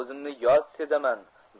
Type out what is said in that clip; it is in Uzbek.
o'zimni yot sezaman